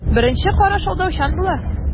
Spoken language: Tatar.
Беренче караш алдаучан була.